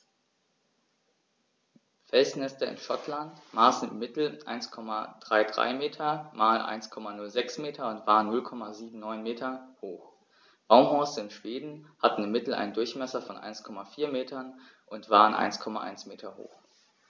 Felsnester in Schottland maßen im Mittel 1,33 m x 1,06 m und waren 0,79 m hoch, Baumhorste in Schweden hatten im Mittel einen Durchmesser von 1,4 m und waren 1,1 m hoch.